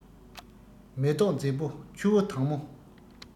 མེ ཏོག མཛེས པོ ཆུ བོ དྭངས མོ